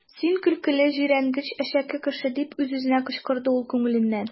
Син көлкеле, җирәнгеч, әшәке кеше! - дип үз-үзенә кычкырды ул күңеленнән.